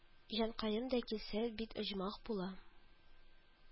Җанкәем дә килсә бит оҗмах була